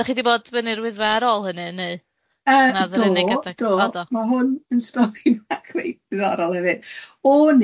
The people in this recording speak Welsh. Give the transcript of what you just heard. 'Da chi di bod fyny'r Wyddfa ar ôl hynny neu... Yy do do... hwnna o'dd yr unig adag? O do? Ma' hwn yn stori fach reit ddiddorol hefyd.